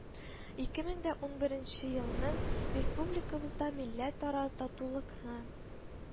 Ике мең дә унберенче елның республикабызда милләтара татулыкны